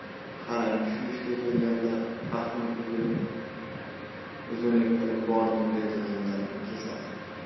qarang shu ishga kelganda fahmim uzunlik qilib bordim dedi hamdam kesatib